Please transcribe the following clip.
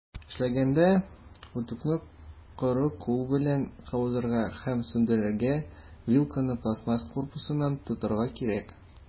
Эшләгәндә, үтүкне коры кул белән кабызырга һәм сүндерергә, вилканы пластмасс корпусыннан тотарга кирәк.